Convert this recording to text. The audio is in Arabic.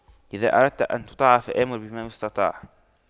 إذا أردت أن تطاع فأمر بما يستطاع